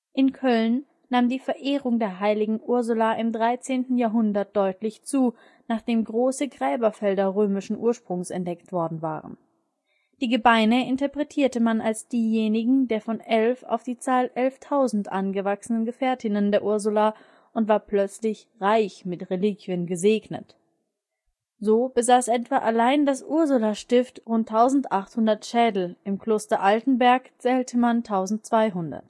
In Köln nahm die Verehrung der Heiligen Ursula im 13. Jahrhundert deutlich zu, nachdem große Gräberfelder römischen Ursprungs entdeckt worden waren. Die Gebeine interpretierte man als diejenigen der von 11 auf die Zahl von 11.000 angewachsenen Gefährtinnen der Ursula und war plötzlich reich mit Reliquien „ gesegnet “. So besaß etwa allein das Ursulastift rund 1800 Schädel, im Kloster Altenberg zählte man 1200